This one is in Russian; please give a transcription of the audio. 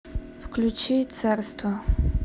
включи царство